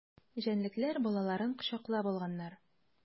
Җәнлекләр балаларын кочаклап алганнар.